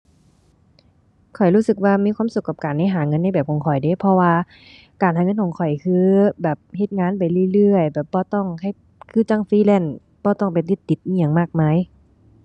ข้อยรู้สึกว่ามีความสุขกับการได้หาเงินในแบบของข้อยเดะ เพราะว่าการหาเงินของข้อยคือแบบเฮ็ดงานไปเรื่อยเรื่อย แบบบ่ต้อง เฮ็ด คือจั่งฟรีแลนซ์ บ่ต้องไปยึดติดอิหยังมากมาย